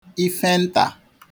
ife ntà